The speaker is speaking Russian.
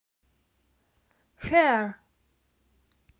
hair